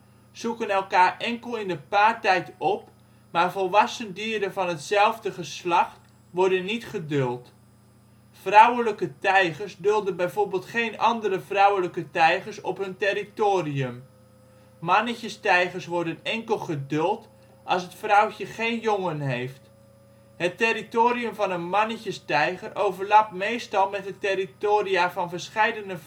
zoeken elkaar enkel in de paartijd op, maar volwassen dieren van hetzelfde geslacht worden niet geduld. Vrouwelijke tijgers dulden bijvoorbeeld geen andere vrouwelijke tijgers op hun territorium. Mannetjestijgers worden enkel geduld als het vrouwtje geen jongen heeft. Het territorium van een mannetjestijger overlapt meestal met de territoria van verscheidene